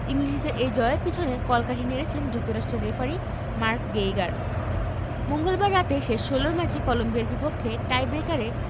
ইংলিশদের এই জয়ের পেছনে কলকাঠি নেড়েছেন যুক্তরাষ্ট্রের রেফারি মার্ক গেইগার মঙ্গলবার রাতে শেষ ষোলোর ম্যাচে কলম্বিয়ার বিপক্ষে টাইব্রেকারে